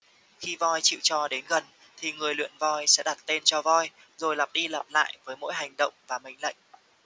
khi voi chịu cho đến gần thì người luyện voi sẽ đặt tên cho voi rồi lặp đi lặp lại với mỗi hành động và mệnh lệnh